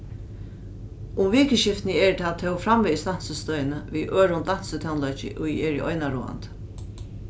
um vikuskiftini eru tað tó framvegis dansistøðini við øðrum dansitónleiki ið eru einaráðandi